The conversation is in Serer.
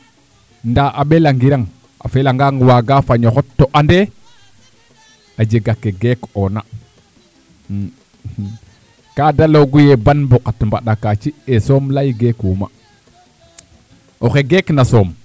ndaa a ɓelangirang a felangaang waaga fañ o xot to ande a jega kee geeka'oona ka de layoogu yee ban mbukat mbaɗakaaci i soom lay geekuma oxe geekna soom